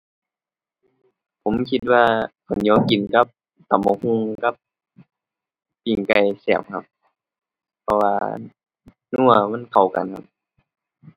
ผมคิดว่าข้าวเหนียวกินกับตำบักหุ่งกับปิ้งไก่แซ่บครับ เพราะว่านัว มันเข้ากันครับ